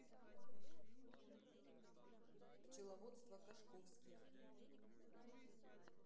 пчеловодство кашковский